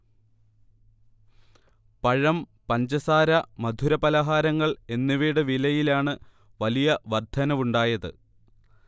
പഴം, പഞ്ചസാര, മധുര പലഹാരങ്ങൾ എന്നിവയുടെ വിലയിലാണ് വലിയ വർധനവുണ്ടായത്